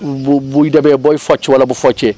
bu buy demee bay focc wala bu foccee